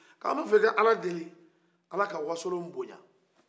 ko an bɛ a fɛ i ka ala deli ala ka wasolo boɲa